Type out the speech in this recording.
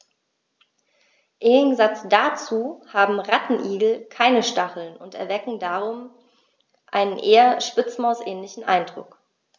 Im Gegensatz dazu haben Rattenigel keine Stacheln und erwecken darum einen eher Spitzmaus-ähnlichen Eindruck.